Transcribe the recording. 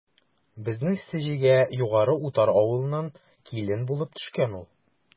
Безнең Сеҗегә Югары Утар авылыннан килен булып төшкән ул.